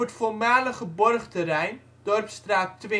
voormalige borgterrein (Dorpsstraat